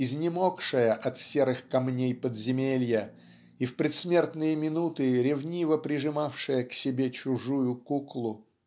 изнемогшая от серых камней подземелья и в предсмертные минуты ревниво прижимавшая к себе чужую куклу